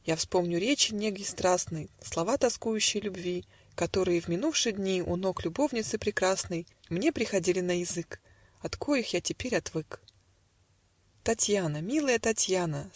Я вспомню речи неги страстной, Слова тоскующей любви, Которые в минувши дни У ног любовницы прекрасной Мне приходили на язык, От коих я теперь отвык. Татьяна, милая Татьяна!